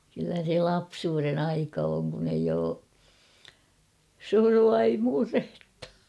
kyllä se lapsuuden aika on kun ei ole surua ei murhetta